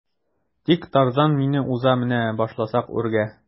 Тик Тарзан мине уза менә башласак үргә.